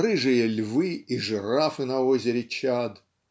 рыжие львы и жирафы на озере Чад.